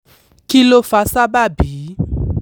Kí ló fa sábàbí?